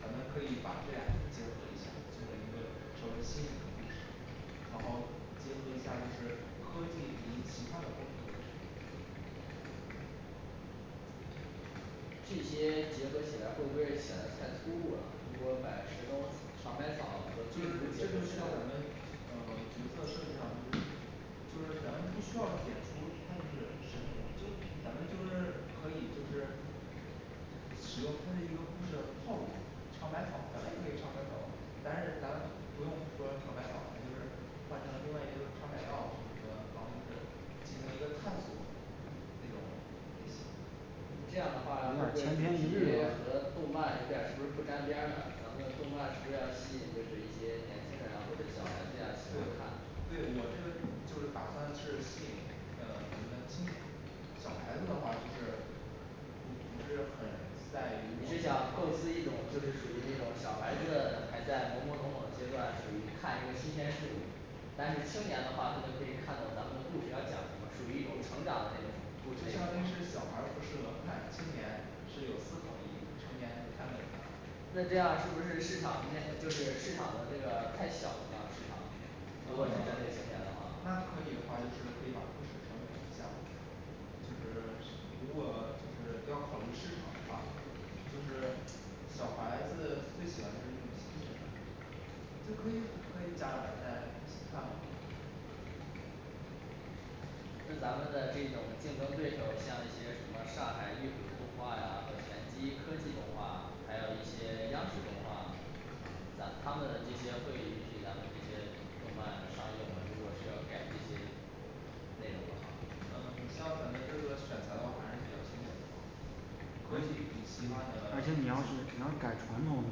咱们可以把这两个结合一下，做成一个成为新人物的故事然后结合一下就是科技以及奇幻的风格这些结合起来会不会显得太突兀了，如果把神农尝百草和病毒结这就合起需来要，咱们呃角色设计上就是 就是咱们不需要点出它就是什么，就是咱们就是可以就是使用它这一个故事的套路。尝百草咱们也可以尝百草，但是咱不用说尝百草咱就是换成另外一个就是尝买药什么什么，然后就是进行一个探索那种类型你这样的话会不会一些和动漫有点儿是不是不沾边儿呢，咱们的动漫是不是要吸引就是一些年轻人啊或者小孩子呀去看？对，对，我这个就是打算是吸引呃我们的青年人。小孩子的话就是不是很在你于是想构思一种就是属于那种小孩子，还在懵懵懂懂阶段属于看一个新鲜事物但是青年的话他就可以看懂咱们的故事要讲什么，属于一种成长的那种故事就相，当于是小孩儿不适合看青年是有思考意义成年人能看那懂的，这样是不是市场里面就是市场的这个太小了，市场如呃果是针对青年的话那可以的话就是可以把故事稍微改一下嘛就是如果就是要考虑市场的话，就是小孩子最喜欢的一种新鲜感就可以就可以家人带着一起看嘛。跟咱们的这种竞争对手，像一些什么上海玉虎动画和玄机科技动画，还有一些央视动画在他们这些会议咱们这些伙伴商议，我们如果是要改这些内容的话像咱们这个选材的话还是比较新鲜的科技奇幻而的且你要是只能改传统的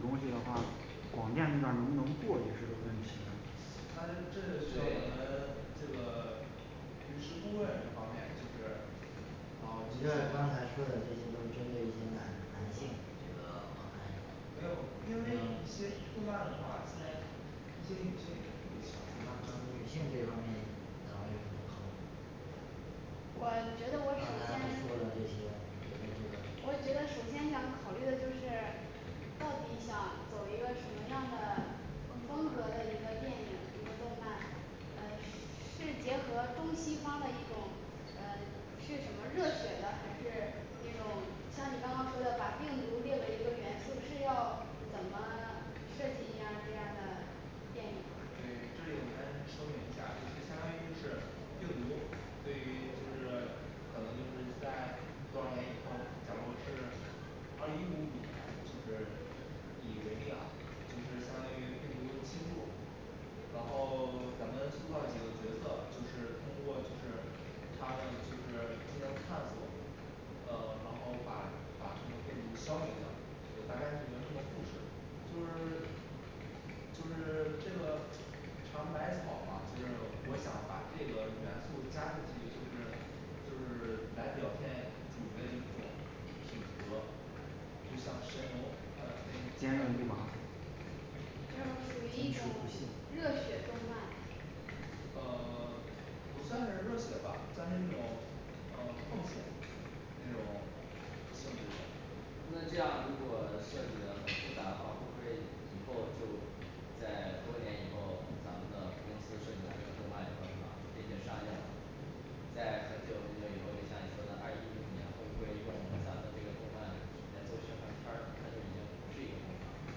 东西的话，广电那边儿能不能过也是一个问题呢但是这需要我对们这个律师顾问这方面，就是哦就像刚才说的这些都针对一些男男性，这个观看的,咱没有，因们为女一些动漫的话，现在一些女性也是特别喜欢看性这方面哪位有什么考虑？刚我觉得我首先才说了这些你觉得这个我觉得首先想考虑的就是到底想走一个什么样的风格的一个电影，一个动漫呃，是结合中西方的一种呃是什么热血的，还是那种像你刚刚说的把病毒列为一个元素，是要怎么设计一样儿这样儿的电影儿对，这里我先说明一下儿，就是相当于就是病毒对于就是可能就是在多少年以后，假如是二一五五年就是以为例啊就是相当于病毒进入，然后咱们塑造几个角色，就是通过就是他们就是进行探索呃然后把把这个病毒消灭掉。大概这个这么故事，就是 就是这个尝百草吧，就是我想把这个元素加进去，就是就是来表现你的一种品格。就像神农，他呃 这就不属于一种算热血动漫，是热血吧，算是一种呃梦想那种性质的那这样如果设计的很复杂的话，会不会以后就在多年以后，咱们的公司设计了一个动漫是吧是吧？那些商业在很久很久以后，就像你说的二一一五年会不会用咱们这个动漫来做宣传片儿它就已经不是一个动漫了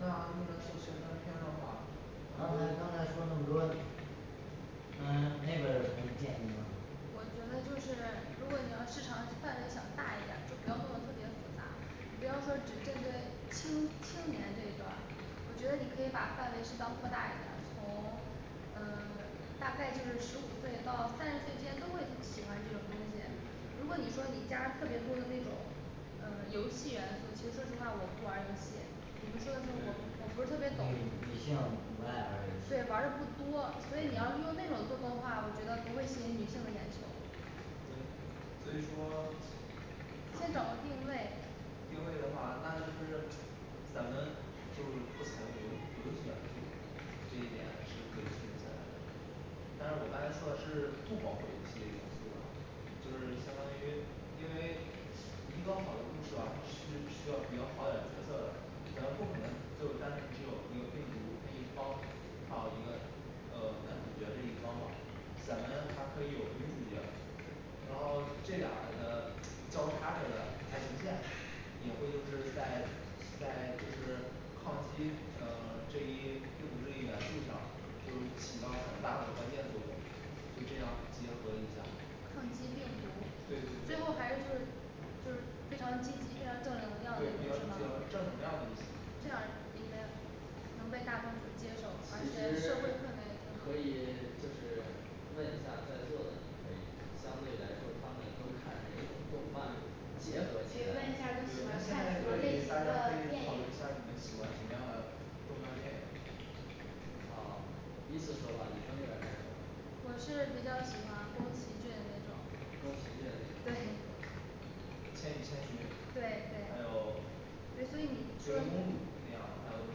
那那是宣传片的话刚才刚才说那么多呃那个有什么建议吗？我觉得如果你要市场范围想大一点儿，就不要弄的特别复杂你不要再指定在青青年这一块儿，我觉得你可以把范围适当扩大一点从呃大概就是十五岁到三十岁之间都能喜欢这个东西如果你说你加入那些游戏啊其实说实话我不玩儿游戏你们对说什么我对我不是特别懂嗯女性不爱，对玩儿玩的儿不游戏嗯多，所以你要用那种做动画，我觉得不会吸引女性的眼球儿对所以说，先找个定位定位的话，那就是咱们就不采用游游戏选主，这一点是可以确定下来的但是我刚才说的是不包括游戏元素的，就是相当于因为一个好的故事啊必须需要比较好点儿的角色的，可能不可能只有单纯只有一个病毒可以帮到一个呃咱可以觉得这一方呢咱们还可以有一个数据，然后这两个交叉着的爱情线也会又是在在就是抗击呃这一病毒这一元素上就是起到很大的关键作用就这样结合一下，抗击病对对对情对，最后还是就是，非比较常积极比向较正上的能能量，量的一点，其这实样应该会被大众所接受而且社会氛围可以就是问一下在座的你可以相对来说他们都看哪种动漫？结合起来，问一下他们喜欢对那现看在大什么家可对类以型讨的电影，论下你们喜欢什么样的动漫电影好依次说吧女生这边儿开我是比较喜始欢宫崎骏的那种宫崎骏的，千与千寻对，对对对女生就，还有幽灵公主还有L B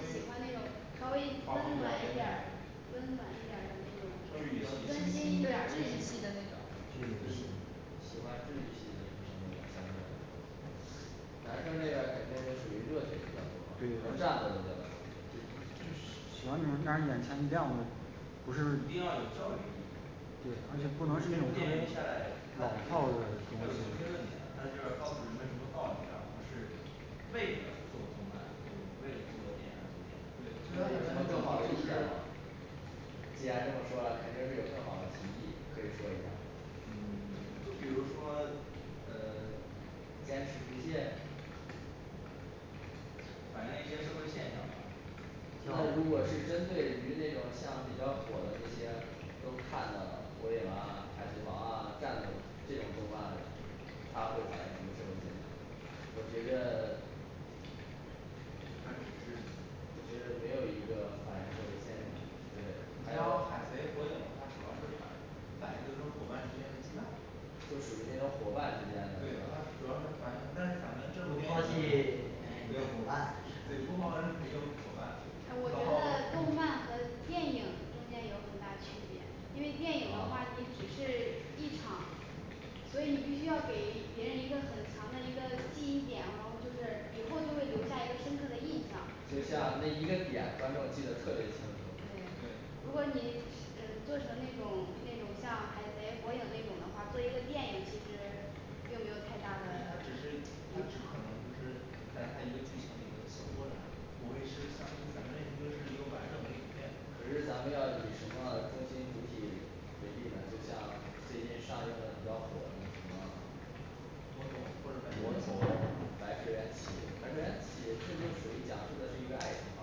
是喜欢那种稍稍微微画风甜温美暖一一点点儿儿温暖一点儿的那种，温馨一细腻点儿的一那点种男生这边肯定是属于热血比较多对于战斗的比较多就是一定要有教育意义就是这部电影下来他老就是他有套路中心论点，他就是告诉人们什么道理，而不是为了做动漫而动漫为了做电影儿而做电影儿，那你们有什么更好的意见吗既然这么说了，肯定是有更好的提议可以说一下。嗯比如说呃坚持不懈反映一些社会现象吧教那育意如果是义针对于那种像比较火的那些都看的火影啊海贼王啊，战斗类这种动漫，他会反映什么社会现象，我觉着它只是我觉得没有一个反映社会现象的还有海贼火影，它主要是反反映就是说伙伴之间的羁绊就属于那种伙伴之间的，对对他主要是反吧映，但不抛是弃咱们这部每一个电伙影伴对，对不抛弃一个伙我觉伴然得后动漫和电影中间有很大区别，因为电影的话你只是一场所以你必须要给别人一个很强的一个记忆点，然后就是以后就会留下一个深刻的印象，就对像那一个点，观众记得特别清楚。对如果你呃做成那种那种像海贼火影那种的话，做一个电影其实并没有太大的他只是他只可能就是在他一个剧情里面的小波澜，不会是像这一个是一个完整的影片可是咱们要以什么中心主题为例来，就像最近上映的的比较火的那个魔童魔或童者白蛇白缘起蛇，白蛇缘对起这就那属于讲就述的是一个是爱情方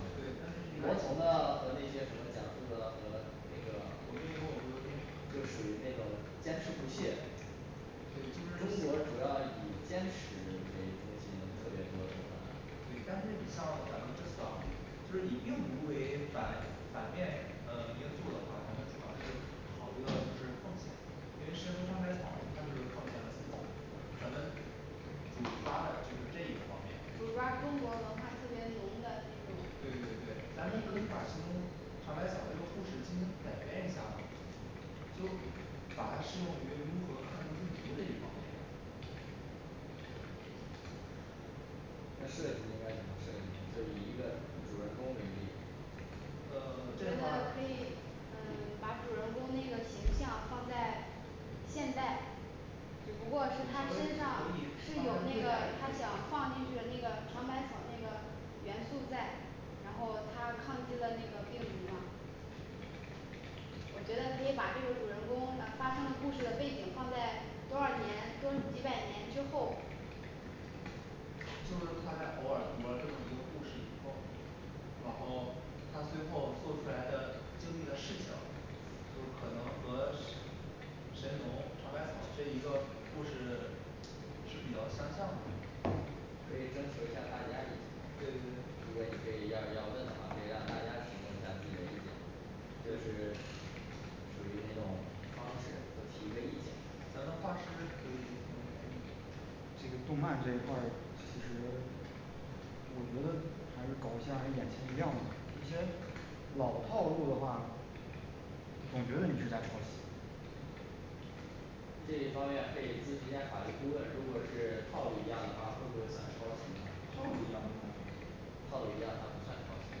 面爱，魔童的情那和我那些什么命讲述由的和我那个不由天就属于那种坚持不懈的对就是，中国主要以坚持对为中心特别多对吧，但是你像咱们这么着就是以病毒为反反面呃因素的话，咱们主要是考虑到就是奉献，因为神农尝百草他是奉献自己咱们主抓的就是这一个方面，对主抓中国文化特别浓的对对，咱那们种，可电以影把神农尝百草这个故事进行改编一下的。就把它适用于如何抗击病毒这一方面他设计应该怎么设计？就是以一个主人公为例，呃我这觉的话得可以嗯把主人公那个形象放在现代只不过稍微可以稍微是他身上是有那未来个一点他想放进去的那个尝百草的那个元素在，然后他抗击了那个病毒嘛我觉得可以把这个主人公呃发生的故事的背景放在多少年多几百年之后就是他在偶尔读了这么一个故事以后，然后他最后做出来的经历的事情，就是可能和神农尝百草这一个故事 是比较相像的，可对以征求一下大家的如果你可以要要问的话，可以让大家提供一下自己的意见就对于是属于那种方式就提个意见咱们画师可以这动漫这块儿其实比如咱们搞一下那种诶老套路的话，我觉得应该是这一方面可以咨询一下儿法律顾问，如果是套路一样的话，会不会算抄袭呢套路一样不算抄袭套路一样它不算抄袭，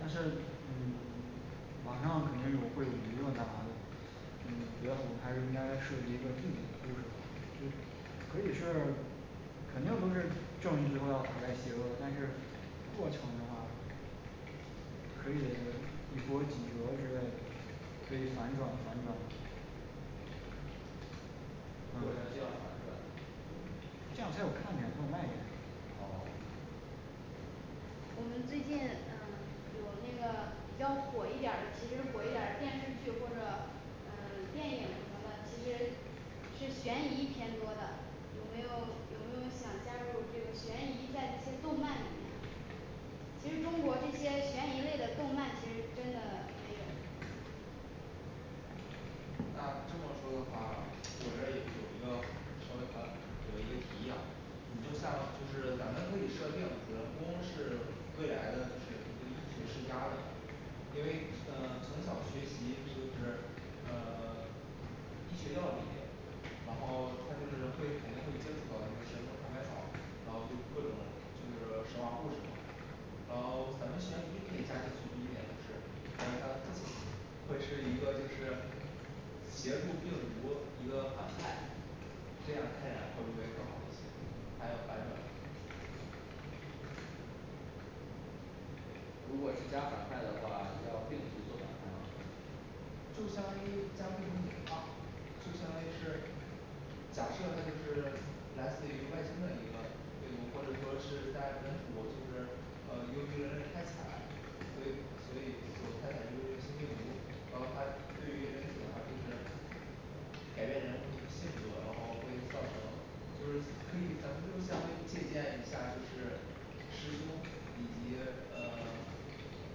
但是嗯马上可能也会有一个干嘛的嗯我觉得我们还是应该涉及一个自己的公式吧。就是可以是肯定不是教育学的方面我们在写作，但是过程呢可以一波几折之类的可以反转反转过程需要反转，啊这样才有看点才有卖点啊我们最近嗯有那个比较火一点儿的，其实火一点儿的电视剧或者嗯电影什么的其实是悬疑偏多的有没有有没有想加入悬疑在这些动漫里面其实中国这些悬疑类的动漫其实真的没有呃这么说的话我这也有一个有一个稍微好有一个提议啊，你就像就是咱们自己设定主人公是未来的就是一个一级的世家的因为嗯从小学习就是呃 医学药理，然后他就是会肯定会接触到就是神农尝百草，然后就各种就是神话故事然后咱们悬疑可以加进去一点就是，交给他的父亲。会是一个就是协助病毒一个反派，这样开展会不会更好一些还有反转，如果是加反派的话，你要病毒做反派吗，就相当于将病毒拟化了。相当于是假设它就是来自于外星的一个病毒，或者说是在本土由于人类开采所以所以开展就是一种新病毒，然后他对于整体的话，就是改变人物性格，然后会造成就是可以咱们相对借鉴一下就是师兄以及以及呃呃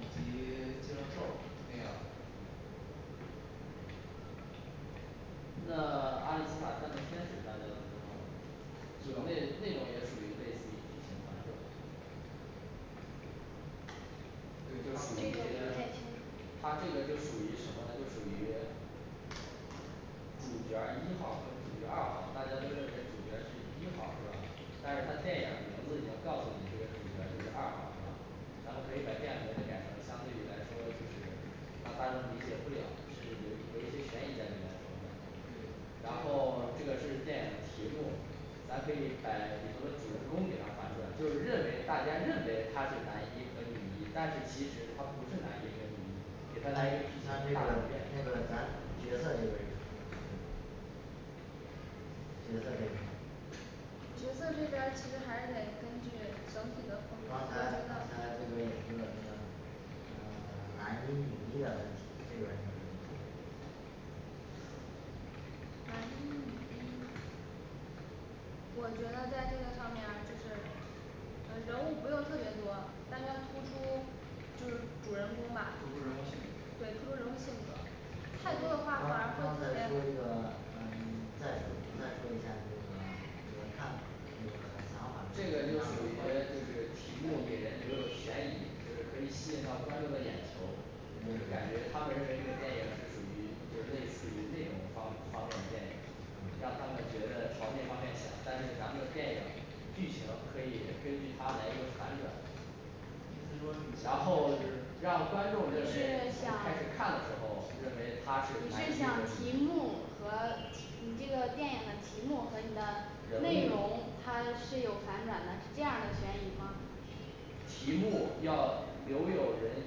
以及金轮兽那样的那爱因斯坦战斗天使大家都知知道吗，那道那种的也属于类似于剧情反转的他这个就属于什么就属于主角一号和主角二号，大家都认为主角是一号是吧？但是他电影名字已经告诉你，这个主角是二号咱们可以把这样一个改成相对于来说，就是让大家都理解不了，甚至有一些悬疑在里面什么的然后这个是电影的题目，咱可以把里头的主人公给他翻出来，就是认为大家认为他是男一和女一，但是其实他不是男一和女一给他来那这一个大的悬那个咱角色里边念儿有角色角色这这边,边刚才其实还是得根据整体的，刚才这个也比较多，呃男一女一的问题，这边儿呢男一女一我觉得在这个上面儿，就是人物不用特别多但要突出就是主人公吧突出人物性，对格突出人物性格，太多的刚话刚才那说反而这个会再说再说一下你的呃那个看法那个想法这嗯个就属于就是题目给人留有悬疑，就是可以吸引到观众的眼球，就是感觉他们认为这个电影儿是属于就是类似于那种方方面的让他们觉得朝那方面想但是咱们的电影儿剧情可以根据它来一个反转。意思说然后就是让观你是想，你众认为从开始看的时候，认为他是是想题目人物和你这个电影的题目和你的内容它是有反转的，是这样儿的悬疑吗题目要留有人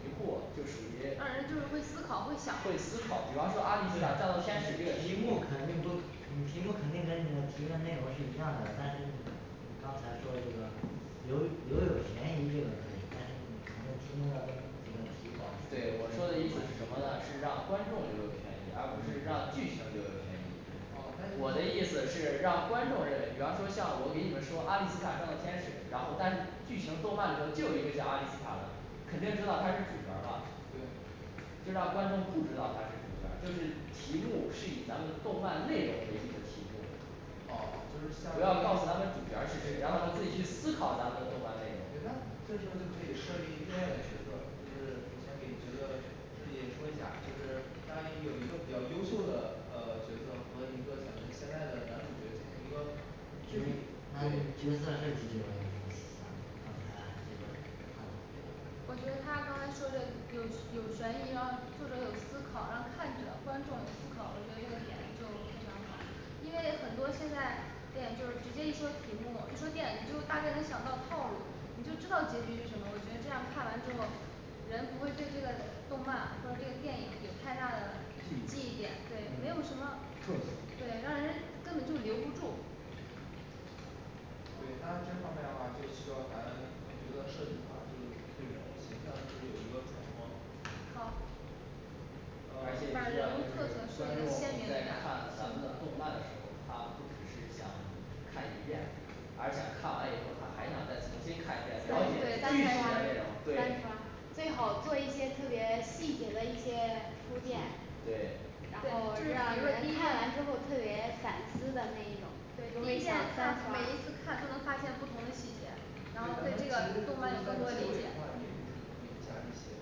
疑惑就属于嗯就是说会思考和想思考比方说阿丽塔战斗天使题目肯定都你题目肯定跟你的体验内容是一样的但是你刚才说的这个留留有悬疑这个可以，但是我们题对我目说的意思是什要么呢？就是跟让观众这留有悬疑，个而不是题让剧情保留有悬疑。持我的意思是让观众认为比方说像我给你们说阿丽斯塔战斗天使，然后但是剧情动漫的时候就有一个叫阿丽斯塔的肯定知道他是主角儿吧&对&就让观众不知道他是主角儿，就是题目是以咱们动漫内容为例的题目不要告诉他们主角是谁，让他们自己去思考咱们的动漫内哦就是，明白了容，这时候就可以设立另外一个角色，就是我先给角色自己说一下就是当你有一个比较优秀的呃角色和一个小的现在的男主角进行一个对比那角色设计这边有什么想法，刚才这边儿探讨这个我觉得他刚才说的有有悬疑，然后或者有思考，然后看着观众思考，我觉得这个点就非常好。因为很多现在也就是直接一说屏幕，一说电影儿大家都想到套路，你就知道结局是什么，我觉得这样看完之后人不会对这个动漫或者这个电影有太大的记忆点，对，没有什么特色对让人根本就留不住对那这方面的话就需要咱我觉得设计的话就是对人物形象有一个揣摩。好而且主反要就正是观就是众在看咱们的动漫的时候，他不只是想看一遍，而且看完以后他还想再重新看一遍，了解具体的内容，对最好做一些特别细节的一些铺垫。对然后让人看完之后特别反思的那一种想对三每刷次看都能发现不同的细节咱们其实其实在结尾的话也就是可以加一些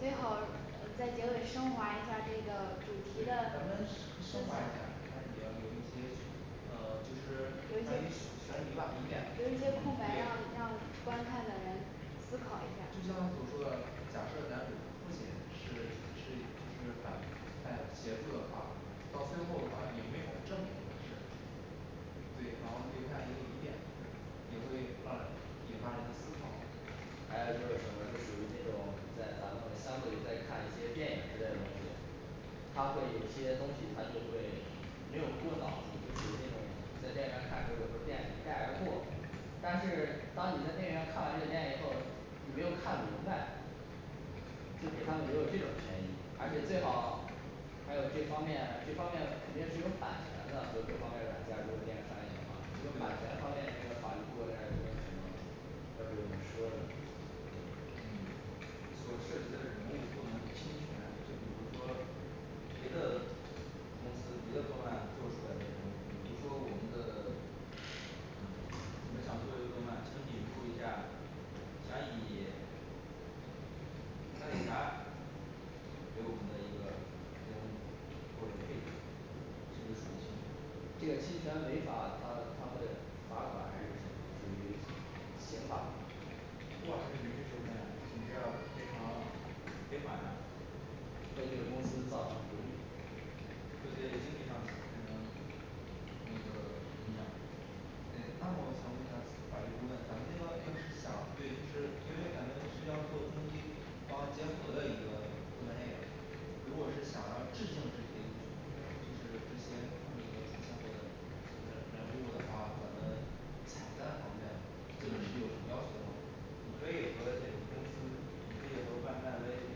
对最咱好在结们尾升华一下儿这个主题的思升想，华一下，留留一一些些呃就是悬悬疑吧疑点对留一些空白吧让观看的人思考就一下像所说的，假设男主父亲是是反派协助的话，到最后的话也没法证明他是对，然后留下一个疑点，也会让人引发一个思考，还有就是什么就属于那种在咱们相对于在看一些电影之类的东西，他会有些东西他就会没有过脑子，就属于那种在电影院看的时候，有时候电影一带而过，但是当你在电影院看完这个电影以后，你没有看明白就给他们留有这种权益，而且最好还有这方面这方面肯定是有版权的，所以说这方面入驻电影商业行业，版权方面的法律顾问站有没有要给我们说的？你所涉及的人物不能侵权，就比如说别的公司别的动漫做出来的人，比如说我们的嗯我们想做一个动漫想引入一下，想以钢铁侠给我们的一个人物或者配置这个属于侵权。这个侵权违法它它会罚款还是什么？属于刑法吗如果是民事纠纷呀，你就要赔偿赔款啊，会对公司造成不利，会在经济上产生那个影响。对，那么我想问一下法律顾问，咱们那个就是想对是因为咱们是要做中医帮结合的一个专业，如果是想要制定就是这些他们已经讲的人人物的话，咱们采单方面这本书有什么要求吗？你可以和那个公司你可以和万达威取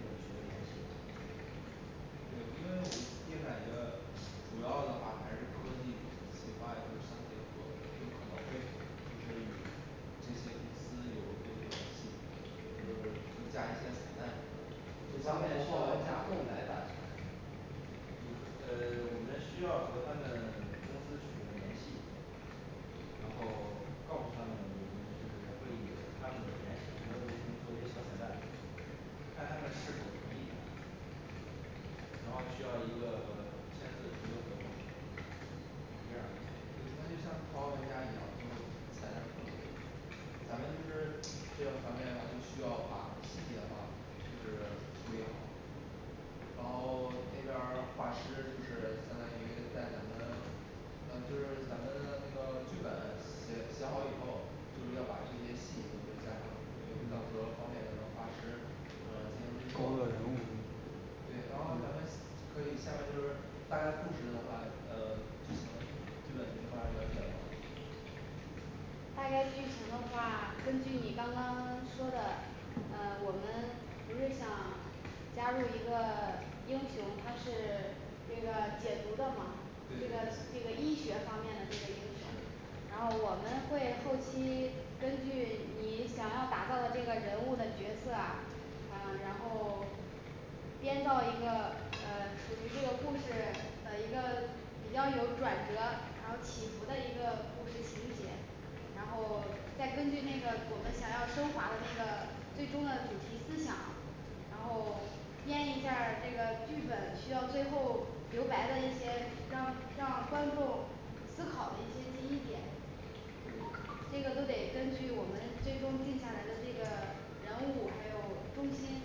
得联系这个因为我毕竟感觉主要的话还是科技与孵化就是相结合，有可能会就是这些公司有就会就是加一些彩蛋什么这方面需要人家购买版权呃我们需要和他们公司取得联系，然后告诉他们我们就是会以他们的原型人物原型做一些小彩蛋，看他们是否同意，然后需要一个签字一个合同。是这样，所以像淘宝一样才能获得咱们就是这方面的话就需要把细节的话就是处理好然后那边画师就是相当于在咱们咱们剧本写好以后，要把这些细节都是加上因为到时候方便的话，画师呃进行制作。 对，然后咱们可以下面就是大家共识的话呃就行了，基本这方面了解了吧。大概聚成的话，根据你刚刚说的，呃我们不是想加入一个英雄，他是这个解毒的吗这个这个医学方面的这个英雄然后我们会后期根据你想要打造的这个人物的角色啊，呃然后编造一个呃属于这个故事的一个比较有转折，然后起伏的一个故事情节然后再根据那个我们想要升华的那个最终的主题思想，然后编一下儿这个剧本需要最后留白的一些让让观众思考的一些记忆点那个都得根据我们最终定下来的这个人物，还有中心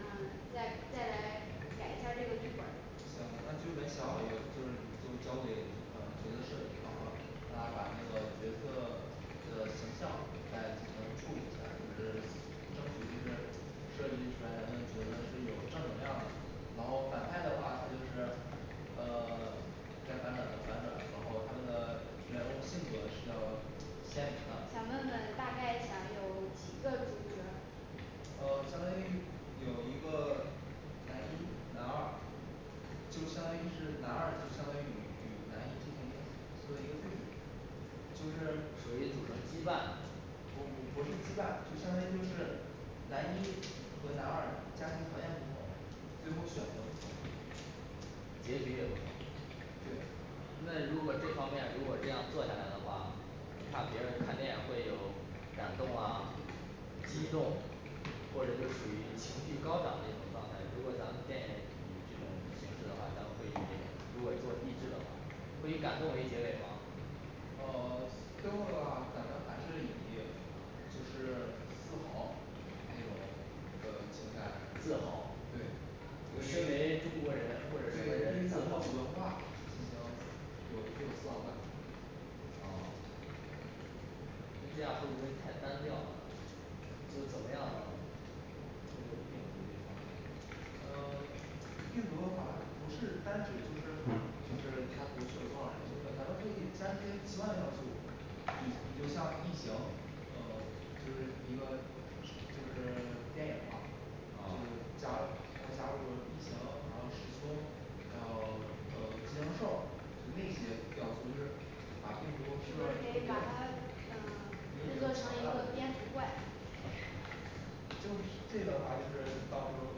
嗯再再来改一下这个剧本行，那剧本写好以后就交给角色设计了昂然后他把那个角色的形象再进行处理一下，就是争取就是设计准备出来，比如说是有正能量的然后反派的话他就是呃 该反转的反转，然后他们的人物性格是要鲜明的想问问大概想有几个主角儿呃相当于有一个男一男二就相当于是男二就相当于男一进行作为一个对比属于组成羁绊就是不不是羁绊，就相当于男一和男二家庭条件不同最后选择结不局也不同同。对，那如果这方面如果这样做下来的话，你看别人看电影儿会有感动啊激动或者就属于情绪高涨的一种状态，如果咱们电影以这种形式的话，咱们会以那种如果做励志的话会以感动为结尾吗？哦最后的话咱们还是以就是自豪那种存在，自豪对对身于为中国人或者什么人对于咱们的文化已经就有自豪感那这样会不会太单调了，就怎么样通过病毒这方面呃 病毒好像不是单指就是就是他毒死了多少人，就是咱们可以增添一其他的要素，就像疫情呃就是一个就是电影儿吧呃就是加加入疫情然后湿毒还有 变形兽儿那些比较多就是把病毒吃我了们可可以以变把它制作成成一名蝙蝠怪就是这个的话就是到时候